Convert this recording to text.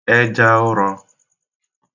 ẹja ụrọ̄